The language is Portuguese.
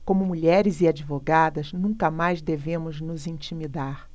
como mulheres e advogadas nunca mais devemos nos intimidar